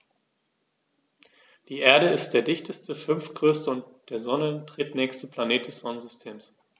Die Erde ist der dichteste, fünftgrößte und der Sonne drittnächste Planet des Sonnensystems.